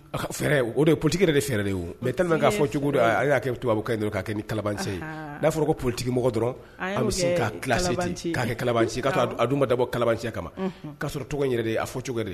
Fɛɛrɛ o de ye porotigi yɛrɛ de fɛɛrɛ de ye mɛ tan'a fɔ cogo don y'a to b kɛ' kɛ ni kalase n'a fɔra ko porotigi mɔgɔ dɔrɔn bɛ'si'a kɛ kala' taa aduba dabɔ kalacɛ kama k'a sɔrɔ tɔgɔ yɛrɛ a fɔ cogokɛ de ye